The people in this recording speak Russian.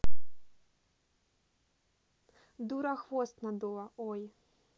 дура хвост надула ой